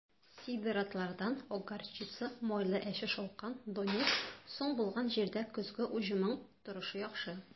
Сидератлардан (ак горчица, майлы әче шалкан, донник) соң булган җирдә көзге уҗымның торышы яхшы.